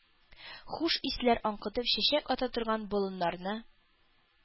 Хуш исләр аңкытып чәчәк ата торган болыннарны,